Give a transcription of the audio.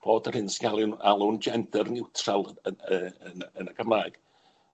bod yr hyn sy'n ga'l i'w alw'n gender neutral yn yy yn yn y Gymraeg.